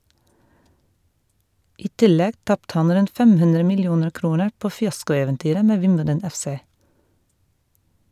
I tillegg tapte han rundt 500 millioner kroner på fiaskoeventyret med Wimbledon FC.